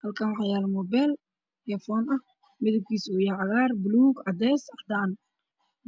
Halkaan waxaa yaalo muubeel ayfoon ah midabkiisu uu yahay cagaar , buluug, cadeys iyo cadaan.